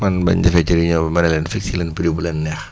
man bañ defee ca réunion ba a ne leen fixé leen prix bu leen neex